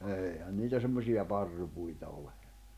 eihän niitä semmoisia parrupuita ole